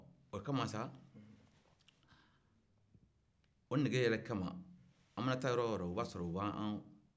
o kama sa o nege yɛrɛ kama an mana taa yɔrɔ-yɔrɔn i b'a sɔrɔ u b'an